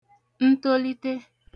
ntolite